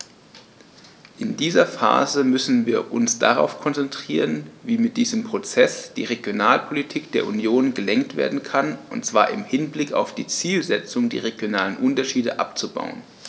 In dieser Phase müssen wir uns darauf konzentrieren, wie mit diesem Prozess die Regionalpolitik der Union gelenkt werden kann, und zwar im Hinblick auf die Zielsetzung, die regionalen Unterschiede abzubauen.